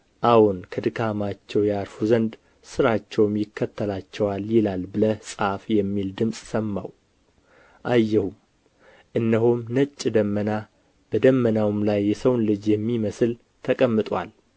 አዎን ከድካማቸው ያርፉ ዘንድ ሥራቸውም ይከተላቸዋል ይላል ብለህ ጻፍ የሚል ድምፅ ሰማሁ አየሁም እነሆም ነጭ ደመና በደመናውም ላይ የሰውን ልጅ የሚመስል ተቀምጦአል